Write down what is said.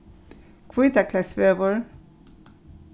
hvítakletsvegur